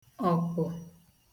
ọ̀kpụ̀